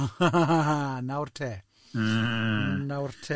Ha ha, oh, nawr te, nawr te.